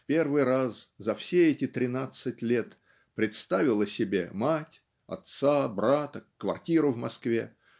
в первый раз за все эти тринадцать лет представила себе мать отца брата квартиру в Москве